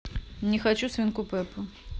не хочу свинку пеппу